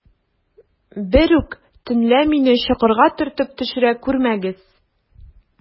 Берүк төнлә мине чокырга төртеп төшерә күрмәгез.